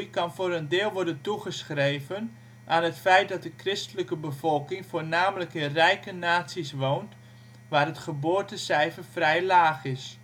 kan voor een deel worden toegeschreven aan het feit dat de christelijke bevolking voornamelijk in rijke naties woont waar het geboortencijfer vrij laag is